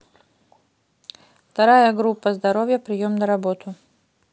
вторая группа здоровья прием на работу